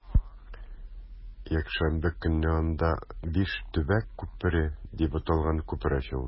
Якшәмбе көнне анда “Биш төбәк күпере” дип аталган күпер ачылды.